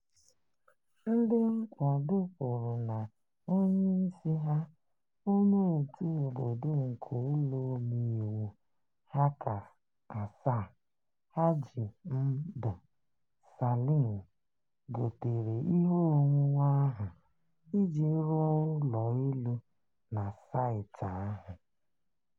Ndị nkwado kwuru na onye isi ha, onye òtù obodo nke ụlọ omeiwu (Dhaka-7) Haji Md. Salim, gotere ihe onwunwe ahụ iji rụọ ụlọ elu na saịtị ahụ.